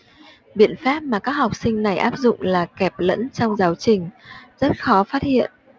biện pháp mà các học sinh này áp dụng là kẹp lẫn trong giáo trình rất khó phát hiện